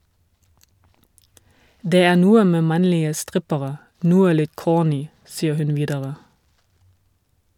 - Det er noe med mannlige strippere, noe litt kårny, sier hun videre.